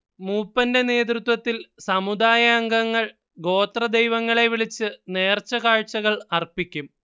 മൂപ്പന്റെ നേതൃത്വത്തിൽ സമുദായാംഗങ്ങൾ ഗോത്രദൈവങ്ങളെ വിളിച്ച് നേർച്ചക്കാഴ്ചകൾ അർപ്പിക്കും